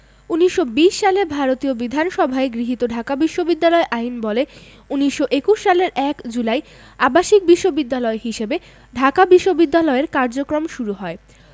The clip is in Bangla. ১৯২০ সালে ভারতীয় বিধানসভায় গৃহীত ঢাকা বিশ্ববিদ্যালয় আইনবলে ১৯২১ সালের ১ জুলাই আবাসিক বিশ্ববিদ্যালয় হিসেবে ঢাকা বিশ্ববিদ্যালয়ের কার্যক্রম শুরু হয়